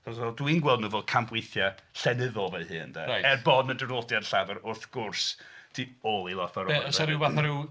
Dwi'n gweld nhw fel campweithiau llenyddol fy hun 'de. Er bod nhw'n draddodiad llafar wrth gwrs tu ôl... Be' oes 'na ryw fath o ryw...